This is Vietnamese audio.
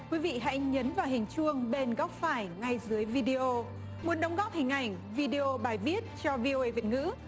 quý vị hãy nhấn vào hình chuông bên góc phải ngay dưới vi đê ô muốn đóng góp hình ảnh vi đê ô bài viết cho vi ô ây việt ngữ